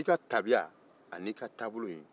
i ka tabiya ani i ka taabolo in